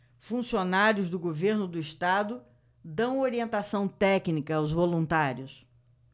funcionários do governo do estado dão orientação técnica aos voluntários